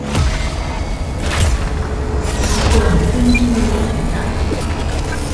มีตุ่มขึ้นที่นิ้วของฉัน